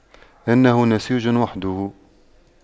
إنه نسيج وحده